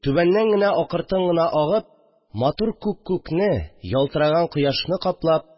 Түбәннән генә акыртын гына агып, матур күк күкне, ялтыраган кояшны каплап